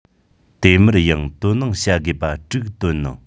དེ མུར ཡང དོ སྣང བྱ དགོས པ དྲུག བཏོན གནང